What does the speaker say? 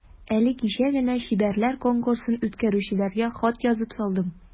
Әле кичә генә чибәрләр конкурсын үткәрүчеләргә хат язып салдым.